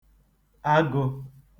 agụ̄